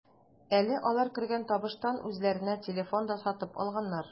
Әле алар кергән табыштан үзләренә телефон да сатып алганнар.